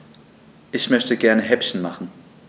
Ich möchte gerne Häppchen machen.